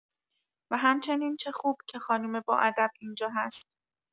و همچنین چه خوب که خانوم با ادب اینجا هست